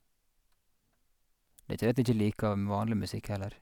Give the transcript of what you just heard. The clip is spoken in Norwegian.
Det er ikke det at ikke jeg liker m vanlig musikk heller.